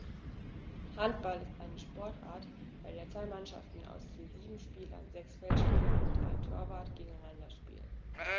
Handball ist eine Sportart, bei der zwei Mannschaften aus je sieben Spielern (sechs Feldspieler und ein Torwart) gegeneinander spielen.